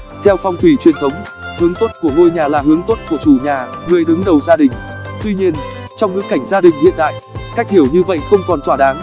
theo phong thủy truyền thống hướng tốt của ngôi nhà là hướng tốt của chủ nhà người đứng đầu gia đình tuy nhiên trong ngữ cảnh gia đình hiện đại cách hiểu như vậy không còn thỏa đáng